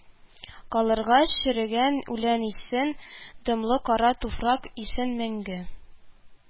Калырга, черегән үлән исен, дымлы кара туфрак исен мәңге